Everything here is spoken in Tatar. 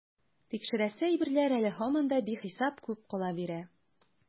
Тикшерәсе әйберләр әле һаман да бихисап күп кала бирә.